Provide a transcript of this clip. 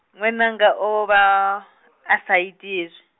nwananga o vha , a sa iti hezwi.